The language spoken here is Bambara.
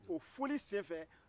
o foli senfɛ